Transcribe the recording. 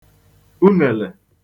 unèlè